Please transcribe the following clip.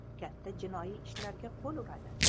katta jinoiy ishlarga qo'l uradi